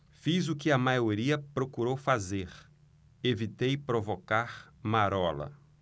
fiz o que a maioria procurou fazer evitei provocar marola